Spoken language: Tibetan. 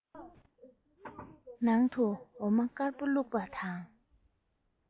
ནང དུ འོ མ དཀར པོ བླུགས པ དང